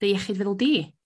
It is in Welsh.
dy iechyd feddwl di.